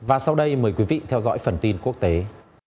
và sau đây mời quý vị theo dõi phần tin quốc tế